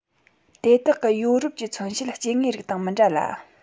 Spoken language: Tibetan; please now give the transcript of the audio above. དེ དག གི ཡོ རོབ ཀྱི མཚོན བྱེད སྐྱེ དངོས རིགས དང མི འདྲ ལ